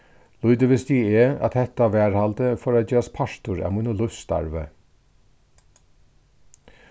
lítið visti eg at hetta varðhaldið fór at gerast partur av mínum lívsstarvi